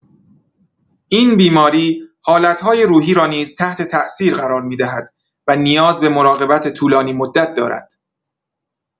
این بیماری حالت‌های روحی را نیز تحت‌تأثیر قرار می‌دهد و نیاز به مراقبت طولانی‌مدت دارد.